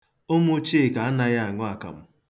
Ụmụ Chika anaghị aṅụ akamụ.